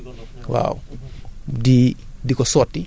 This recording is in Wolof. damay wut sama ñaari bërigo ndox